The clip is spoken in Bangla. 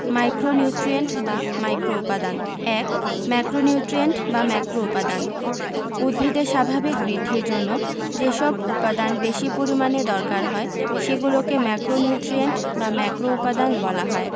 মাইক্রোনিউট্রিয়েন্ট বা মাইক্রোউপাদান ১ ম্যাক্রোনিউট্রিয়েন্ট বা ম্যাক্রোউপাদান উদ্ভিদের স্বাভাবিক বৃদ্ধির জন্য যেসব উপাদান বেশি পরিমাণে দরকার হয় সেগুলোকে ম্যাক্রোনিউট্রিয়েন্ট বা ম্যাক্রোউপাদান বলা হয়